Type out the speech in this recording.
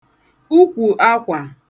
ukwù akwà